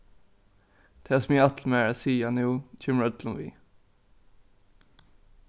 tað sum eg ætli mær at siga nú kemur øllum við